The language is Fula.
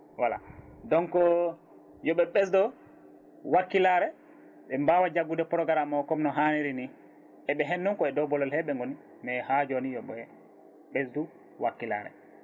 voilà donc yooɓe ɓesdo wakkilare ɓe mbawa jaggude programme o comme no hanniri ni eɓe hen noon koye dow bolol he ɓe gooni mais ha joni yo ɓooye ɓesdu wakkilare